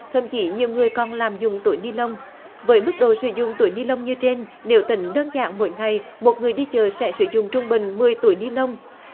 thậm chí nhiều người còn lạm dụng túi ni lông với mức độ sử dụng túi ni lông như trên nếu tính đơn giản mỗi ngày một người đi chợ sẽ sử dụng trung bình mười túi ni lông